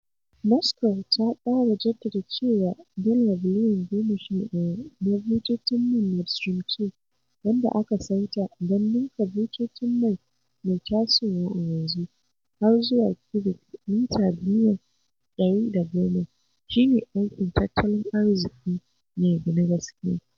Moscow ta ƙara jaddada cewa, Dala biliyan 11 na bututun man Nord Stream 2, wanda aka saita don ninka bututun mai me tasowa a yanzu har zuwa cubic mita biliyan 110, shi ne aikin tattalin arziki ne na gaskiya.